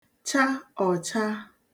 -cha ọ̀cha